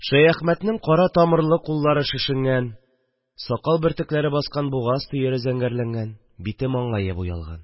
Шәяхмәтнең кара тамырлы куллары шешенгән, сакал бөртекләре баскан бугаз төере зәңгәрләнгән, бите-маңгае буялган